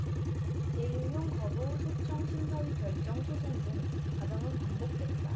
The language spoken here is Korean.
재임용 거부 소청 심사위 결정 소송 등 과정은 반복됐다